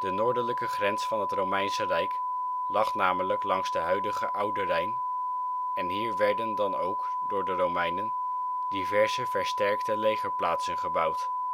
noordelijke grens van het Romeinse Rijk lag namelijk langs de huidige Oude Rijn, en hier werden dan ook door de Romeinen diverse versterkte legerplaatsen gebouwd